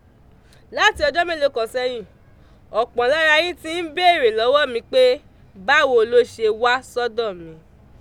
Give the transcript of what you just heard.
Láti ọjọ́ mélòó kan sẹ́yìn, ọ̀pọ̀ lára yín ti ń béèrè lọ́wọ́ mi pé, Báwo lo ṣe wá sọ́dọ̀ mi?